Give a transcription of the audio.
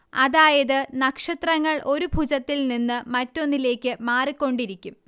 അതായത് നക്ഷത്രങ്ങൾ ഒരു ഭുജത്തിൽ നിന്ന് മറ്റൊന്നിലേക്ക് മാറിക്കൊണ്ടിരിക്കും